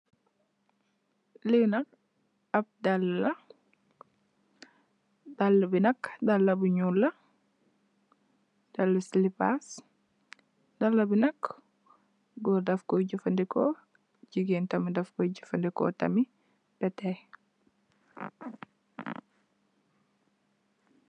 Li nak ab daal la, daal bi nak daal bu ñuul la, daal silipas. Daal bi nak, gòor daf koy jafadeko, jigéen tamit daf koy jafadeko tamit bè tayè.